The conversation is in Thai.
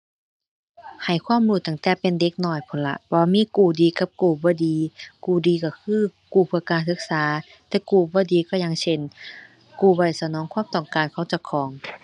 ให้ความรู้ตั้งแต่เป็นเด็กน้อยพู้นล่ะ ว่ามีกู้ดีกับกู้บ่ดี กู้ดีก็คือกู้เพื่อการศึกษา แต่กู้บ่ดีก็อย่างเช่น กู้ไว้สนองความต้องการของเจ้าของ